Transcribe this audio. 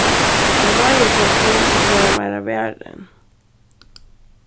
eg ráði tær til at vera meira varin